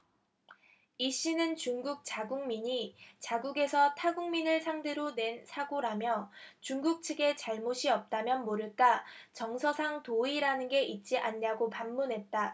이씨는 중국 자국민이 자국에서 타국민을 상대로 낸 사고라며 중국 측의 잘못이 없다면 모를까 정서상 도의라는 게 있지 않냐고 반문했다